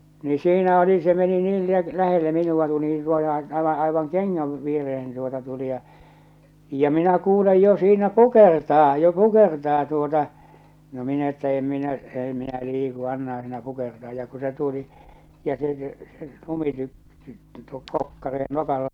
niin siinä oli se meni niin - lähelle minua tuli niin suoraan aivan aivan kengän viereen tuota tuli ja ja minä kuulen jo siinä kukertaa jo kukertaa tuota no minä että en minä ei minä liiku annahan siinä kukertaa ja kun se tuli ja se se - tuo kokkare nokalla